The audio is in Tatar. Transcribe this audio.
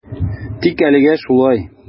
Тик әлегә шулай.